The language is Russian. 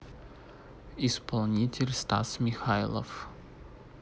исполнитель стас михайлов